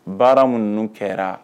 Baara minnu ninnu kɛra